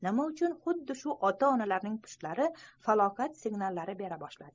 nima uchun xuddi shu ota onalarning pushtlari falokat signallari bera boshladi